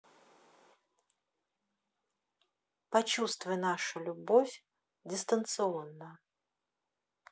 почувствуй нашу любовь дистанционно